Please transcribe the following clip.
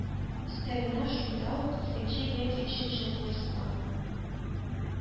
Өстәвенә, шунда ук икенче яки өченче курска